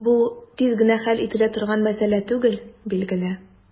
Бу тиз генә хәл ителә торган мәсьәлә түгел, билгеле.